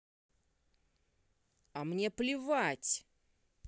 а мне плевать